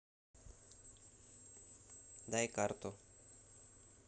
дай карту